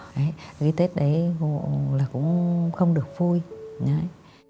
ấy cái tết đấy là cũng không được vui đấy